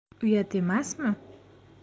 uyat emasmi